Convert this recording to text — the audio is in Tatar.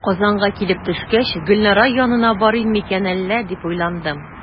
Казанга килеп төшкәч, "Гөлнара янына барыйм микән әллә?", дип уйландым.